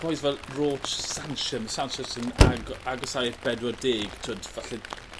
Bois fel Roche Sanchen Sanches yn ago- agosau at bedwar deg t'wod falle